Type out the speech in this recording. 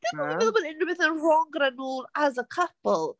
Dim bo' fi'n meddwl bod unrhyw beth yn wrong gyda nhw as a couple...